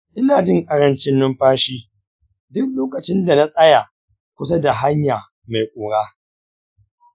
ina jin ƙarancin numfashi duk lokacin da na tsaya kusa da hanya mai ƙura.